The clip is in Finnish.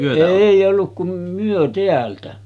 ei ollut kuin me täältä